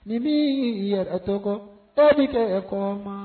Ni min y'i yɛrɛ to kɔ e bɛ kɛ kɔmaa